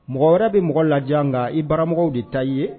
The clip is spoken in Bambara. Mɔgɔ wɛrɛ bɛ mɔgɔ la kan i bara de ta i ye